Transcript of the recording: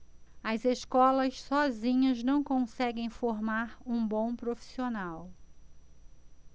as escolas sozinhas não conseguem formar um bom profissional